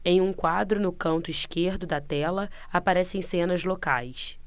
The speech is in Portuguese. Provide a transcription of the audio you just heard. em um quadro no canto esquerdo da tela aparecem cenas locais